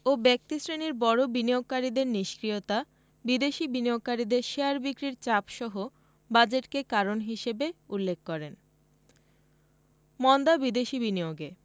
ও ব্যক্তিশ্রেণির বড় বিনিয়োগকারীদের নিষ্ক্রিয়তা বিদেশি বিনিয়োগকারীদের শেয়ার বিক্রির চাপসহ বাজেটকে কারণ হিসেবে উল্লেখ করেন মন্দা বিদেশি বিনিয়োগে